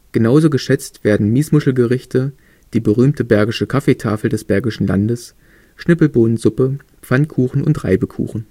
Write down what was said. Genauso geschätzt werden Miesmuschelgerichte, die berühmte Bergische Kaffeetafel des Bergischen Landes, Schnippelbohnensuppe, Pfannkuchen und Reibekuchen